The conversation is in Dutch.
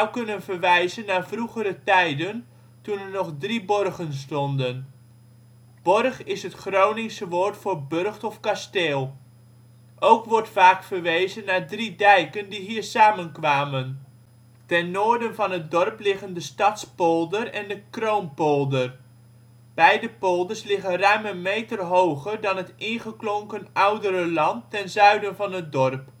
kunnen verwijzen naar vroegere tijden toen er nog 3 borgen stonden. Borg is het Groningse woord voor burcht/kasteel. Ook wordt vaak verwezen naar drie dijken die hier samen kwamen. Ten noorden van het dorp liggen de Stadspolder en de Kroonpolder. Beide polders liggen ruim een meter hoger dan het ingeklonken oudere land ten zuiden van het dorp